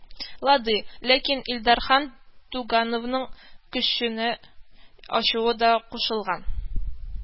Лады, ләкин илдархан тугановның көченә ачуы да кушылган